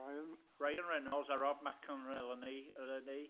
Ryan… Ryan Reynolds a Rob McEnreleni yrenay.